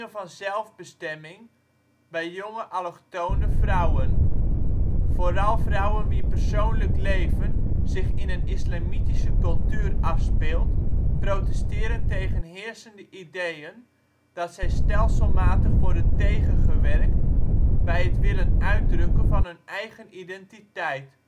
van zelfbestemming bij jonge allochtone vrouwen. Vooral vrouwen wier persoonlijk leven zich in een islamitische cultuur afspeelt protesteren tegen heersende ideeën dat zij stelselmatig worden tegengewerkt bij het willen uitdrukken van hun eigen identiteit